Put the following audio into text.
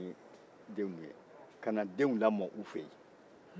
u na na ni denw ye ka na denw lamɔ u fɛ yen